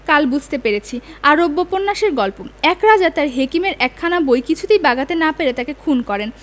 কাল বুঝতে পেরেছি আরব্যোপন্যাসের গল্প এক রাজা তাঁর হেকিমের একখানা বই কিছুতেই বাগাতে না পেরে তাঁকে খুন করেন